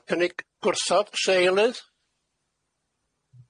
Cynig gwrthod s eilydd?